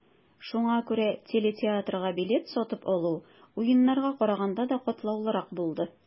Шуңа күрә телетеатрга билет сатып алу, Уеннарга караганда да катлаулырак булды.